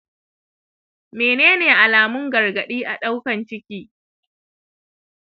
menene alamun gargadi a daukar ciki